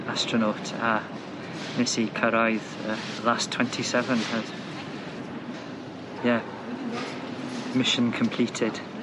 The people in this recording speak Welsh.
astronaut a nes i cyrraedd y last twenty seven kin' of. Ie. MMission completed.